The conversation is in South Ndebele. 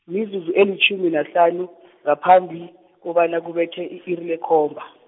mizuzu elitjhumi nahlanu, ngaphambi, kobana kubethe i-iri lekhomba.